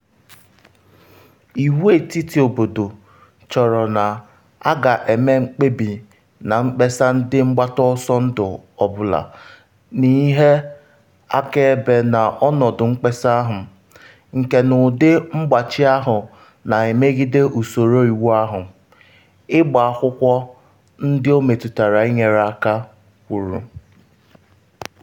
“Iwu etiti obodo chọrọ na a ga-eme mkpebi na mkpesa ndị mgbata ọsọ ndụ ọ bụla n’ihe akaebe na ọnọdụ mkpesa ahụ, nke n’ụdị mgbachi ahụ na-emegide usoro iwu ahụ, “ịgba akwụkwọ ndị ọ metụtara inyere aka” kwuru.